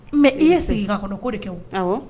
Mais i ye sigi ka kɔnɔko de kɛ wo, awɔ.